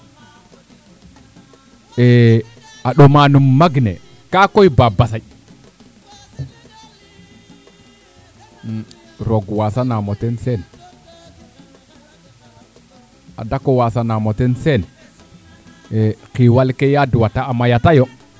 a ɗomanum mag ne ka koy ba mbasaƴ roog wasanamo ten Sene a dako wasanamo ten Sene xiwal ke yaaj wata a mayata yo